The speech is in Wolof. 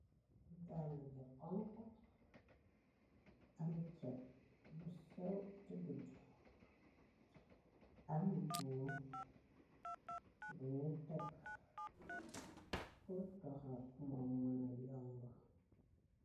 Dal yu honku am chat bu sew tè gudd, am buum bunuy tekk pur dohak moom mëna yomb.